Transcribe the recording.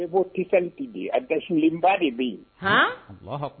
N bɔ kisɛsali a dassilenba de bɛ yen